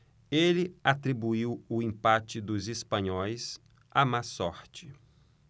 ele atribuiu o empate dos espanhóis à má sorte